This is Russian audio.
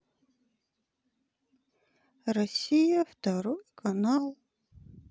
россия второй канал